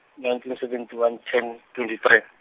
nineteen seventy one, ten, twenty three.